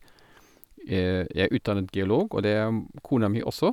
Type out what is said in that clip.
Jeg er utdannet geolog, og det er m kona mi også.